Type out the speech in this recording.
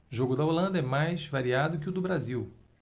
jogo da holanda é mais variado que o do brasil